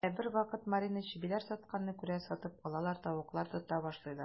Ә бервакыт Марина чебиләр сатканны күрә, сатып алалар, тавыклар тота башлыйлар.